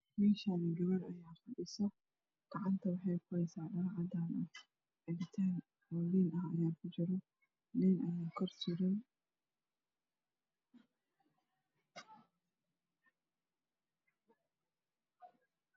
Meshaan gabar ayaa fadhisa gacanta wexey ku haysaa dhala cadan ah cabitan oo liin ah ayaa ku jira liin ayaa kor suran